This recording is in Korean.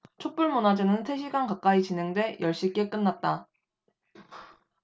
촛불 문화제는 세 시간 가까이 진행돼 열 시께 끝났다